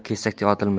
yo kesakdek otilmas